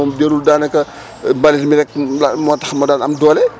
jarul daanaka mbalit bi rek moo tax ma daan am doole